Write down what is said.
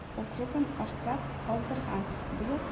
Округын артта калдырган. “быел